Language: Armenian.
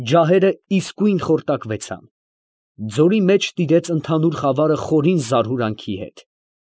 Ջահերը իսկույն խորտակվեցան։ Ձորի մեջ տիրեց ընդհանուր խավարը խորին զարհուրանքի հետ։